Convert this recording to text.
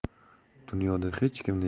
dunyoda hech kimni